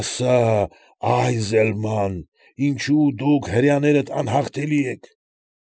Ասա, Այզելման, ինչո՞ւ դուք հրեաներդ անհաղթելի եք։